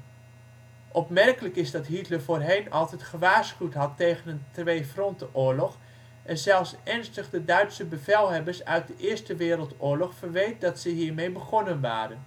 Opmerkelijk is dat Hitler voorheen altijd gewaarschuwd had tegen een twee-fronten oorlog en zelfs ernstig de Duitse bevelhebbers uit de Eerste Wereldoorlog verweet dat ze hiermee begonnen waren